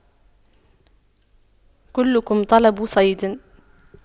كلكم طلب صيد